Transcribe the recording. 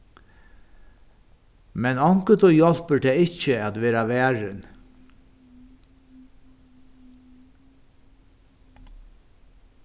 men onkuntíð hjálpir tað ikki at vera varin